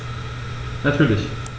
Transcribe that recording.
Natürlich.